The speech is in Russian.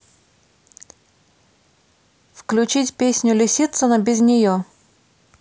включить песню лисицына без нее